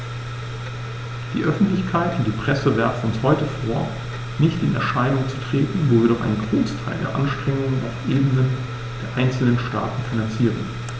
Die Öffentlichkeit und die Presse werfen uns heute vor, nicht in Erscheinung zu treten, wo wir doch einen Großteil der Anstrengungen auf Ebene der einzelnen Staaten finanzieren.